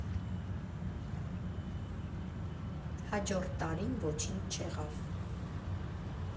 Հաջորդ տարին ոչինչ չեղավ։